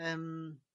Yrm.